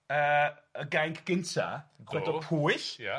yy y gainc gynta... Yndw. ...yn chwedl Pwyll. Ia.